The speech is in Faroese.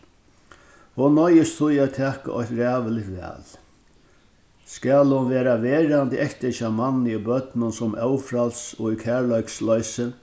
hon noyðist tí at taka eitt ræðuligt val skal hon verða verandi eftir hjá manni og børnum sum ófræls og í kærleiksloysi